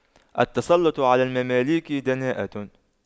التسلُّطُ على المماليك دناءة